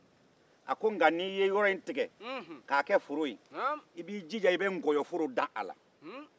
a ko nka n'i ye yɔrɔ in tigɛ k'a kɛ foro ye i be nkɔyɔ sɛnɛ a la